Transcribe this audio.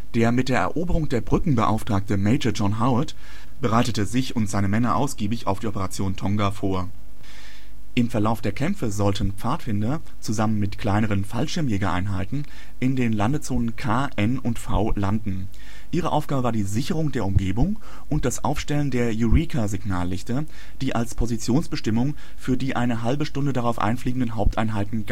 der Eroberung der Brücken beauftragte Major John Howard bereitete sich und seine Männer ausgiebig auf die Operation Tonga vor. Im Verlauf der Kämpfe sollten Pfadfinder zusammen mit kleineren Fallschirmjägereinheiten in den Landezonen K, N und V landen. Ihre Aufgabe war die Sicherung der Umgebung und das Aufstellen der „ Eureka “- Signallichter, die als Positionsbestimmung für die eine halbe Stunde darauf einfliegenden Haupteinheiten